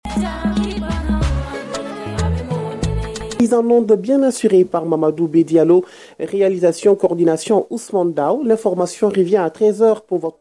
69 dɔbiurmadu bɛdicynasi u sɔnda u masiyy kɛzp